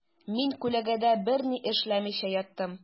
Мин күләгәдә берни эшләмичә яттым.